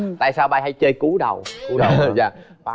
tại sao bạn hay chơi cú đầu ờ dạ